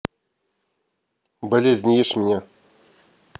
болезнь ешь меня